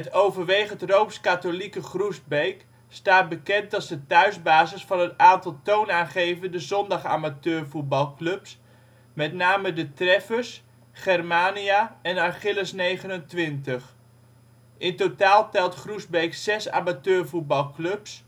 overwegend rooms-katholieke Groesbeek staat bekend als de thuisbasis van een aantal toonaangevende zondag-amateurvoetbalclubs, met name De Treffers, Germania en Achilles'29. In totaal telt Groesbeek zes amateur voetbalclubs